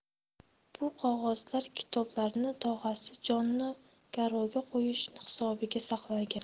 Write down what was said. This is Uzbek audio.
bu qog'ozlar kitoblarni tog'asi jonni garovga qo'yish hisobiga saqlagan